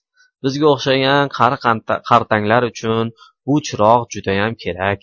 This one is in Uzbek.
bizga o'xshash qari qartanglar uchun bu chirog' judayam kerak